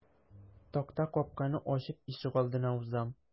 Такта капканы ачып ишегалдына узам.